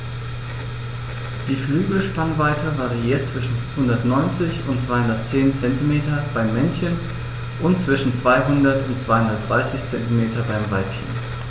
Die Flügelspannweite variiert zwischen 190 und 210 cm beim Männchen und zwischen 200 und 230 cm beim Weibchen.